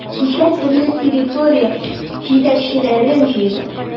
Кичә төрле территория җитәкчеләрен җыйдым.